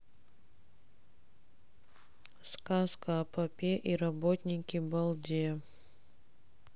сказка о попе и работнике балде